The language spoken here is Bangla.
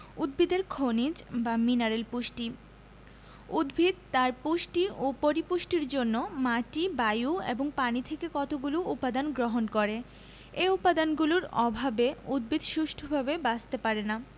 উদ্ভিদের খনিজ বা মিনারেল পুষ্টি উদ্ভিদ তার পুষ্টি ও পরিপুষ্টির জন্য মাটি বায়ু এবং পানি থেকে কতগুলো উপদান গ্রহণ করে এ উপাদানগুলোর অভাবে উদ্ভিদ সুষ্ঠুভাবে বাঁচতে পারে না